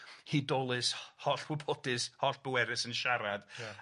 hudolus, holl wybodus, holl bwerus yn siarad. Ia.